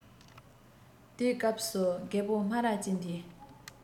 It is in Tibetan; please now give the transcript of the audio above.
དེ སྐབས སུ རྒད པོ རྨ ར ཅན དེས